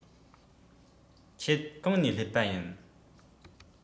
ཁྱེད གང ནས སླེབས པ ཡིན